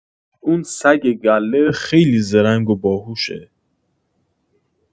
اون سگ گله خیلی زرنگ و باهوشه